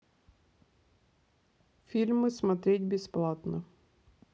фильмы смотреть бесплатно